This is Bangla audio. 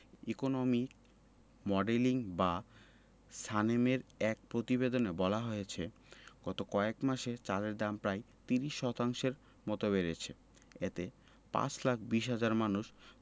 ইকোনমিক মডেলিং বা সানেমের এক প্রতিবেদনে বলা হয়েছে গত কয়েক মাসে চালের দাম প্রায় ৩০ শতাংশের মতো বেড়েছে এতে ৫ লাখ ২০ হাজার মানুষ